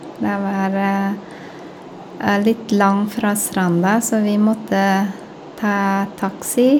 Det var litt lang fra stranda, så vi måtte ta taxi.